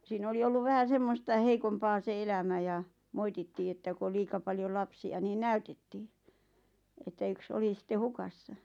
siinä oli ollut vähän semmoista heikompaa se elämä ja moitittiin että kun oli liian paljon lapsia niin näytettiin että yksi oli sitten hukassa